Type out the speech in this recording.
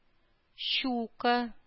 Щука